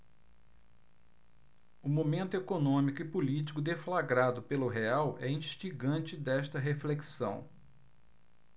o momento econômico e político deflagrado pelo real é instigante desta reflexão